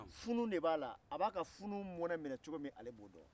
funun de b'ala a b'a ka funun mɔnɛ minɛ cogo min ale b'o dɔn